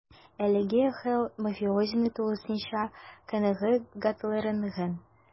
Әлеге хәл мафиозины тулысынча канәгатьләндергән: